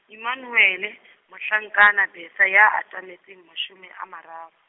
Emmanuele, mohlankana Bertha ya atametseng mashome a mararo.